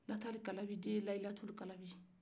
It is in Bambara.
latalikalabi den ye layilatulikalabi